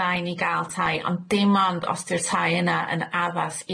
da i ni ga'l tai ond dim ond os di'r tai yna yn addas